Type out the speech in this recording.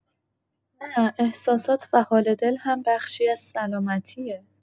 نه، احساسات و حال دل هم بخشی از سلامتیه.